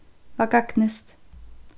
væl gagnist